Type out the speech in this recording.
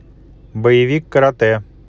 боевик карате